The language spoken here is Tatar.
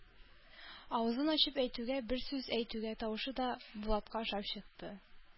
Авызын ачып бер сүз әйтүгә тавышы да Булатка ошап чыкты.